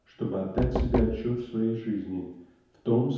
чтобы отдать себе отчет в своей жизни в том